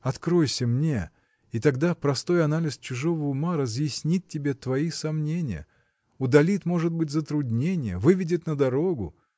Откройся мне, и тогда простой анализ чужого ума разъяснит тебе твои сомнения, удалит, может быть, затруднения, выведет на дорогу.